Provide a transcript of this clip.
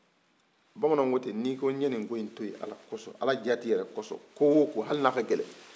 bamananw ko ten ni ko n ye ni ko in toyi ala jati kosɔn hali n'a ka gɛlɛ